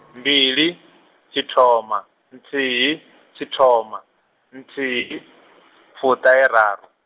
mbili, tshithoma, nthihi, tshithoma, nthihi, fuṱaheraru.